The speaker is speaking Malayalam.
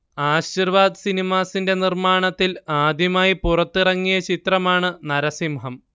ആശീർവാദ് സിനിമാസിന്റെ നിർമ്മാണത്തിൽ ആദ്യമായി പുറത്തിറങ്ങിയ ചിത്രമാണ് നരസിംഹം